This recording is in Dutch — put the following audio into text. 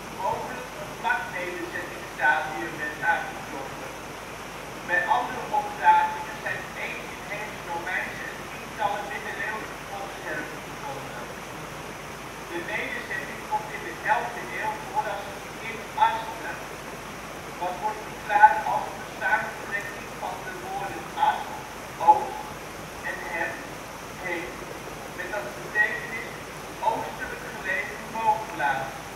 mogelijk een vlaknederzettingstadium werd aangetroffen. Bij andere opgravingen zijn 1 inheems Romeinse en tientallen middeleeuwse potscherven gevonden. De nederzetting komt in de 11e eeuw voor als in Astne (m), wat wordt verklaard als een samentrekking van de woorden ast (" oost ") en hem (" heem ") met als betekenis " oostelijk gelegen woonplaats